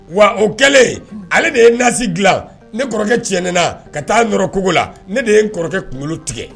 Wa o kɛlen ale de ye nasi dila ne kɔrɔkɛ tien na ka taa nɔ kogo la ne de ye kɔrɔkɛ kunkolo tigɛ